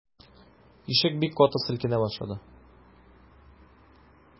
Ишек бик каты селкенә башлады.